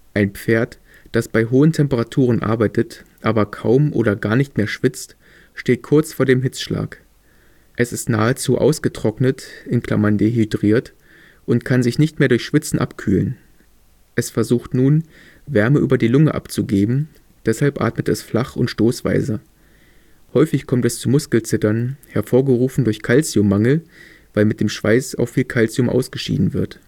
Ein Pferd, das bei hohen Temperaturen arbeitet, aber kaum oder gar nicht mehr schwitzt, steht kurz vor dem Hitzeschlag. Es ist nahezu ausgetrocknet (dehydriert) und kann sich nicht mehr durch Schwitzen abkühlen. Es versucht nun, Wärme über die Lunge abzugeben, deshalb atmet es flach und stoßweise. Häufig bekommt es Muskelzittern, hervorgerufen durch Calciummangel, weil mit dem Schweiß auch viel Calcium ausgeschieden wird